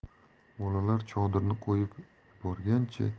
bolalar chodirni qo'yib yuborgancha